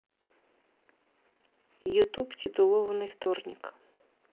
ютуб титулованный вторник